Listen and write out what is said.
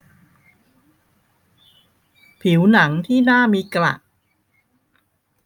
ผัวหนังที่หน้ามีกระ